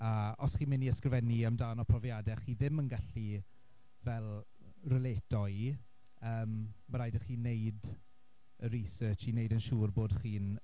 A os chi'n mynd i ysgrifennu amdano profiadau chi ddim yn gallu fel relato i yym ma' raid i chi wneud y research i wneud yn siŵr bod chi'n...